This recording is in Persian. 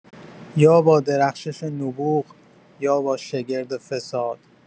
یا با درخشش نبوغ یا با شگرد فساد.